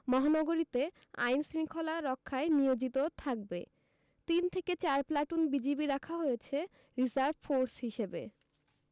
মহানগরীতে আইন শৃঙ্খলা রক্ষায় নিয়োজিত থাকবে তিন থেকে চার প্লাটুন বিজিবি রাখা হয়েছে রিজার্ভ ফোর্স হিসেবে